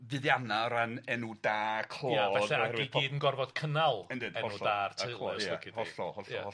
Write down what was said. fyddiana o ran enw da clod... Ia falle ac i gyd yn gorfod cynnal... Yndyn hollol. ...enw da'r teulu os lici di. ...hollol hollol hollol ia.